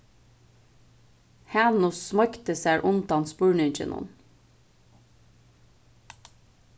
hanus smoygdi sær undan spurninginum